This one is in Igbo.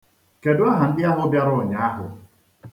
Kedụ aha ndị ahụ bịara ụnyaahụ?